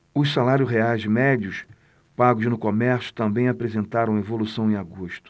os salários reais médios pagos no comércio também apresentaram evolução em agosto